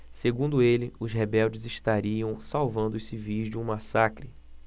segundo ele os rebeldes estariam salvando os civis de um massacre